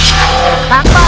tháng ba